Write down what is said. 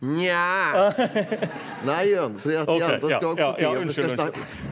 nja nei Jørn fordi at de andre skal òg få tid og vi skal.